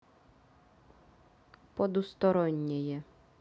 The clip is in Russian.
подустороннее